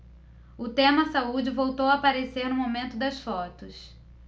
o tema saúde voltou a aparecer no momento das fotos